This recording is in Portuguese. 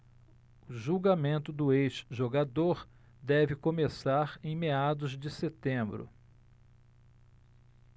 o julgamento do ex-jogador deve começar em meados de setembro